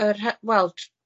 yr hy- wel ts-